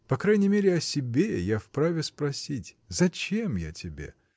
— По крайней мере, о себе я вправе спросить, зачем я тебе?